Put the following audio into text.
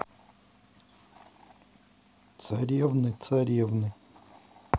царевны царевны